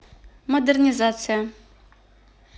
модернизация